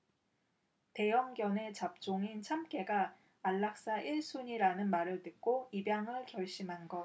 대형견에 잡종인 참깨가 안락사 일 순위라는 말을 듣고 입양을 결심한 것